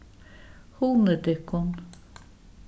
hugnið tykkum